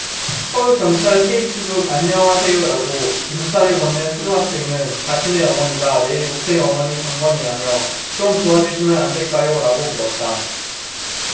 서울 경찰 페이스북안녕하세요라고 인사를 건넨 초등학생은 자신의 어머니가 내일 녹색 어머니 당번이라며 좀 도와주시면 안될까요라고 물었다